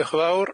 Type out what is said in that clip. Diolch'n fawr.